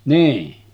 niin